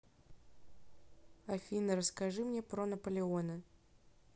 афина расскажи мне про наполеона